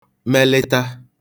melịta